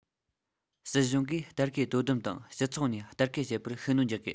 སྲིད གཞུང གིས ལྟ སྐུལ དོ དམ དང སྤྱི ཚོགས ནས ལྟ སྐུལ བྱེད པར ཤུགས སྣོན རྒྱག དགོས